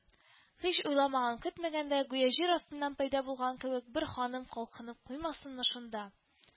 Һич уйламаган-көтмәгәндә, гүя җир астыннан пәйда булган кебек, бер ханым калкынып куймасынмы шунда